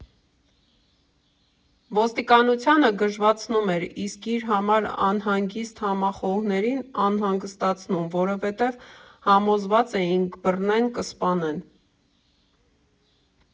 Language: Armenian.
Ոստիկանությանը գժվացնում էր, իսկ իր համար անհանգիստ համախոհներին հանգստացնում, որովհետև համոզված էինք՝ բռնեն՝ կսպանեն։